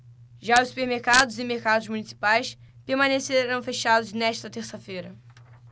já os supermercados e mercados municipais permanecerão fechados nesta terça-feira